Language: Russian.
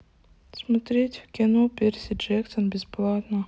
смотреть кино перси джексон бесплатно